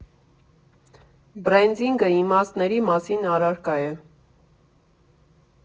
Բրենդինգը իմաստների մասին առարկա է։